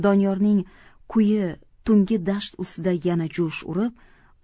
doniyorning kuyi tungi dasht ustida yana jo'sh urib